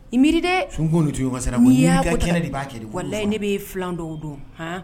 I miiri dɛ sun ko ni o te ɲɔgɔn ɲɛsira la koyi n'i ka kɛnɛ de i b'a kɛ walahi ne b'e filan dɔw dɔn haaan